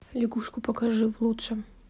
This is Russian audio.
лягушку покажи в лучшем